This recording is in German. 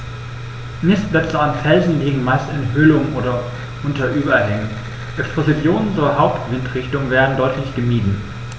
Nistplätze an Felsen liegen meist in Höhlungen oder unter Überhängen, Expositionen zur Hauptwindrichtung werden deutlich gemieden.